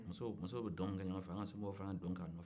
muso bɛ don min kɛ ɲɔgɔn fɛ an ka somɔgɔw fana ye don k'a nɔfɛ